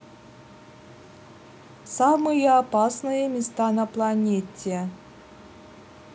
самые опасные места на планете